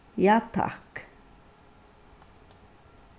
ja takk